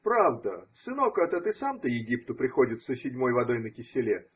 Правда, сынок этот и сам-то Египту приходится седьмой водой на киселе